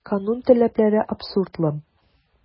Канун таләпләре абсурдлы.